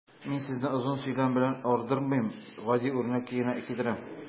Мин сезне озын сөйләм белән ардырмыйм, гади үрнәк кенә китерәм.